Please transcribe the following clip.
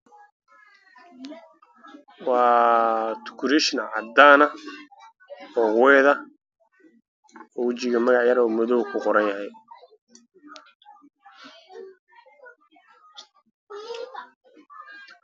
Waa tukureeshan caddaana waxaa yaalo kuraas fara badan oo cadaan ah aada ayuuna qurux badan yahay